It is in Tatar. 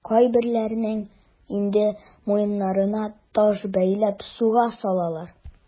Кайберләренең инде муеннарына таш бәйләп суга салалар.